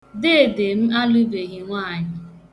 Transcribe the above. Deede m alụbeghi nwaanyị.